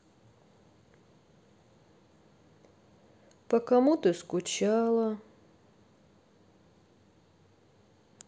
по кому ты скучала